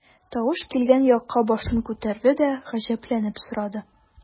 Тавыш килгән якка башын күтәрде дә, гаҗәпләнеп сорады.